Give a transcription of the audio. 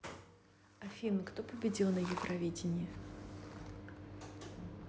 афина кто победил на евровидении